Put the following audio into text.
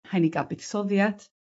Rhai' ni ga'l buddsoddiad.